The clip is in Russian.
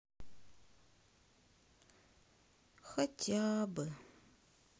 хотя бы